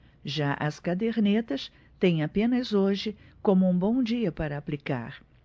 já as cadernetas têm apenas hoje como um bom dia para aplicar